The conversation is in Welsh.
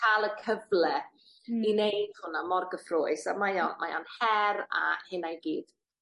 ca'l y cyfle ... Hmm. ...i neud hwnna mor gyffrous a mae o mae o'n her a hynna i gyd.